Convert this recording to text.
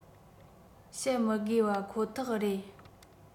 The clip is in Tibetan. བཤད མི དགོས པ ཁོ ཐག རེད